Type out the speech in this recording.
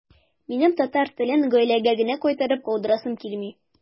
Минем татар телен гаиләгә генә кайтарып калдырасым килми.